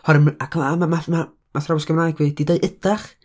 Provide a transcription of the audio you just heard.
Oherwydd ma', ac a ma- ma- ma, ma' athrawes Gymraeg fi 'di deud "ydach."